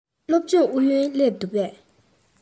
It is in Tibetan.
སློབ སྦྱོང ཨུ ཡོན སླེབས འདུག གས